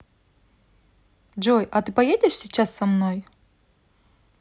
джой а ты поедешь сейчас со мной